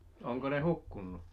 onko ne hukkunut